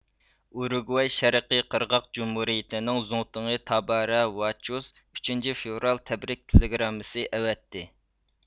ئۇرۇگۋاي شەرقىي قىرغاق جۇمھۇرىيىتىنىڭ زۇڭتۇڭى تابارا ۋازچۇز ئۈچىنچى فېۋرال تەبرىك تېلېگراممىسى ئەۋەتتى